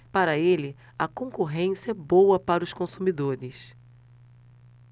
para ele a concorrência é boa para os consumidores